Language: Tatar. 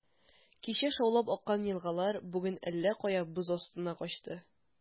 Кичә шаулап аккан елгалар бүген әллә кая, боз астына качты.